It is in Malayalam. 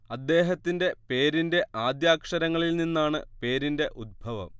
അദ്ദേഹത്തിന്റെ പേരിന്റെ ആദ്യാക്ഷരങ്ങളിൽ നിന്നാണ് പേരിന്റെ ഉത്ഭവം